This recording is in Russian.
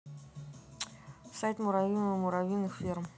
сайт муравьиного муравьиных ферм